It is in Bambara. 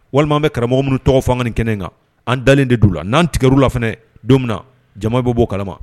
Walima bɛ karamɔgɔ minnu tɔgɔ fanga in kɛnɛ kan an dalen de' u la n'antigɛ u la fana don min na jama bɛ b'o kalama